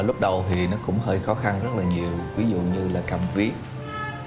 lúc đầu thì nó cũng hơi khó khăn rất là nhiều ví dụ như là cầm viết